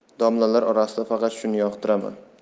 domlalar orasida faqat shuni yoqtiraman